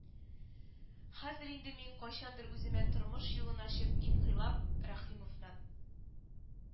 Хәзер инде мин кайчандыр үземә тормыш юлын ачып Инкыйлаб Рәхимовны